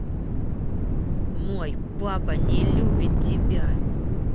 мой папа не любит тебя